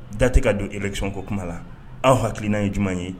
Date ka don ekisɔn ko kuma la aw hakiliki nina ye ɲuman ye